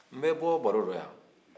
n bɛ bɔ baro la yan